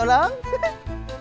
lớn hừ hi